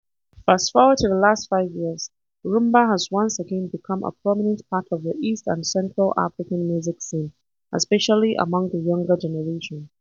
Fast forward to the last five years, Rhumba has once again become a prominent part of the East and Central African music scene, especially among the younger generation.